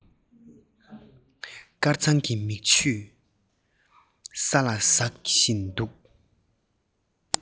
དཀར གཙང གི མིག ཆུ ས ལ ཟགས བཞིན འདུག